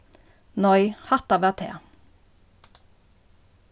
nei hatta var tað